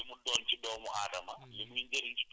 li mu doon li mu doon ci doomu aadama